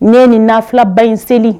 Ne ni naulaba in seli